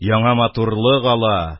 Яңа матурлык ала,